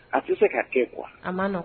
A tɛ se ka kɛ quoi a ma nɔgɔn